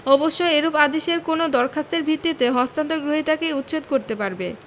অবশ্য এরূপ আদেশের কোনও দরখাস্তের ভিত্তিতে হস্তান্তর গ্রহীতাকে উচ্ছেদ করতে পারবে